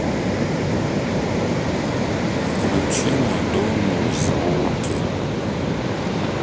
включи мадонну в звуке